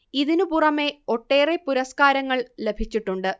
ഇതിനു പുറമെ ഒട്ടേറെ പുരസ്കാരങ്ങള് ലഭിച്ചിട്ടുണ്ട്